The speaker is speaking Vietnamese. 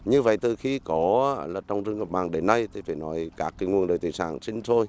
như vậy từ khi có á là trồng rừng ngập mặn đến nay thì phải nói các cái nguồn lợi thủy sản sinh sôi